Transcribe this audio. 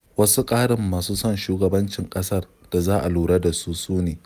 Wasu ƙarin masu son shugabancin ƙasar da za a lura da su su ne: